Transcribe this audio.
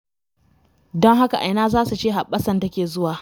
Don haka a ina za su ce hoɓɓasan take yanzu?